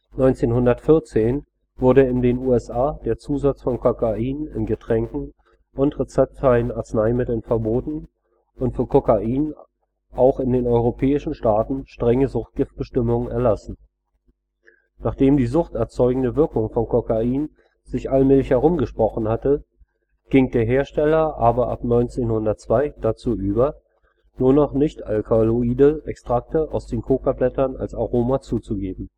1914 wurde in den USA der Zusatz von Cocain in Getränken und rezeptfreien Arzneimitteln verboten und für Cocain auch in den europäischen Staaten strenge Suchtgiftbestimmungen erlassen “. Nachdem die suchterzeugende Wirkung von Kokain sich allmählich herumgesprochen hatte, ging der Hersteller aber 1902 dazu über, nur noch nicht-alkaloide Extrakte aus den Kokablättern als Aroma zuzugeben